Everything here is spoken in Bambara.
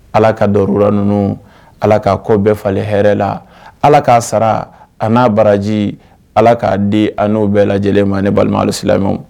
Ala ka barola ninnu ala k' kɔ bɛɛ falen hɛrɛ la ala k'a sara a n'a baraji ala k'a di n'o bɛɛ lajɛlen ma ne balima silamɛw